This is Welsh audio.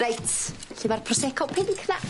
Reit lle ma'r prosecco pinc na?